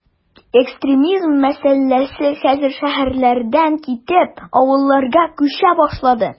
Экстремизм мәсьәләсе хәзер шәһәрләрдән китеп, авылларга “күчә” башлады.